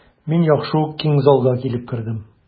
Мин яхшы ук киң залга килеп кердем.